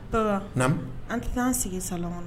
An tɛ' an sigi sa kɔnɔ